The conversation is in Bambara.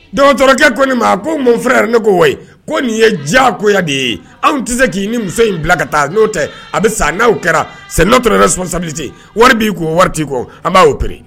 Docteur ko ne ma ko mon frère ne ko wai ko nin ye diyagoya de ye . Anw tɛ se ki ni muso in bila ka taa no tɛ a bi sa . No kɛra c'est notre responsabilité wari bi kun wari ti kun an ba opéré